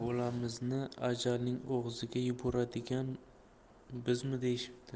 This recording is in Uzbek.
og'ziga yuboradigan bizmi deyishibdi